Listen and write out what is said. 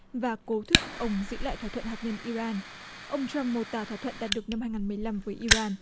và cố thuyết phục ông giữ lại thỏa thuận hạt nhân i ran ông trăm mô tả thỏa thuận đạt được năm hai nghìn mười lăm với i ran